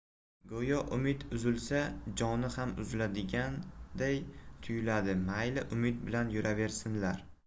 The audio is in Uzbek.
go'yo umid uzilsa joni ham uziladigan day tuyuladi mayli umid bilan yuraversinlar